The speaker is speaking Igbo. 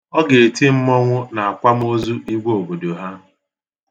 Ọ ga-eti mmọnwụ n'akwamoozu Igwe obodo ha.